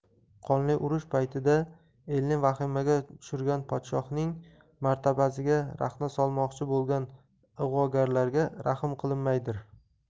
qonli urush paytida elni vahimaga tushirgan podshohning martabasiga raxna solmoqchi bo'lgan ig'vogarlarga rahm qilinmaydir